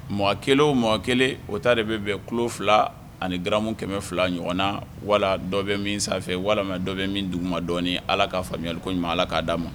Mɔgɔ kelen o mɔ kelen o ta de bɛ bɛn tulo fila ani gmu kɛmɛ fila ɲɔgɔn na wala dɔ bɛ min sanfɛ walima dɔ bɛ min dugu madɔi ala ka faamuyaya ko ɲuman ala k'a d'a ma